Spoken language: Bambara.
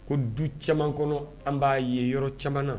Ko du caman kɔnɔ, an ba ye yɔrɔ caman na.